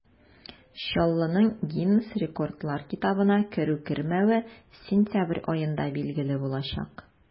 Чаллының Гиннес рекордлар китабына керү-кермәве сентябрь аенда билгеле булачак.